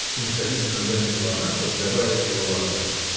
— снисходительно заметила она, поддаваясь его ласке.